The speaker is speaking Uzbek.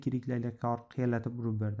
yirik yirik laylakqor qiyalatib urib berdi